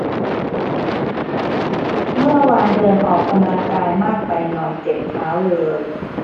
เมื่อวานเดินออกกำลังกายมากไปหน่อยเจ็บเท้าเลย